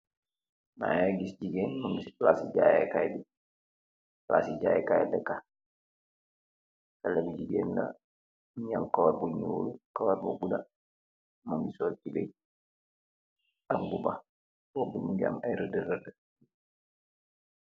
Mageh giss jigeen mung si palaci jayeh kai palaci jayeh kai la neka haleh bu jigeen la mugi aam karaw bu nuul karaw bu guda mogi sool tubai ak mbuba mbuba bi mogi aam aam ay rede rede.